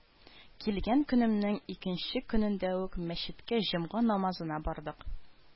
Килгән көнемнең икенче көнендә үк мәчеткә җомга намазына бардык